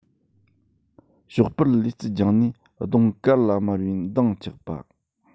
ཞོགས པར ལུས རྩལ སྦྱངས ནས གདོང དཀར ལ དམར བའི མདངས ཆགས པ